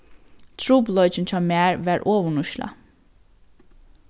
trupulleikin hjá mær var ovurnýtsla